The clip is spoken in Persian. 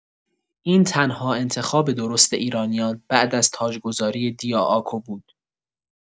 این تنها انتخاب درست ایرانیان بعد از تاجگذاری دیاآکو بود.